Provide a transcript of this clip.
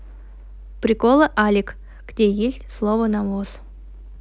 приколы алик где есть слово навоз